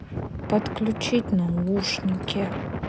подключить наушники